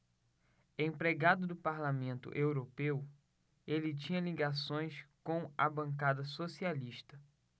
empregado do parlamento europeu ele tinha ligações com a bancada socialista